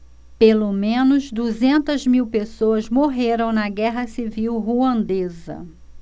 pelo menos duzentas mil pessoas morreram na guerra civil ruandesa